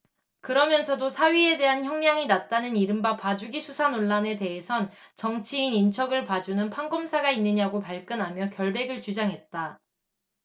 그러면서도 사위에 대한 형량이 낮다는 이른바 봐주기 수사 논란에 대해선 정치인 인척을 봐주는 판검사가 있느냐고 발끈하며 결백을 주장했다